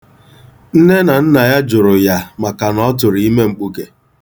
Nne na nna ya jụrụ ya maka na ọ tụrụ ime mkpuke.